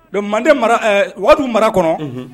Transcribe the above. Mais Manden mara ɛɛ Wagadugu mara kɔnɔɔ unhun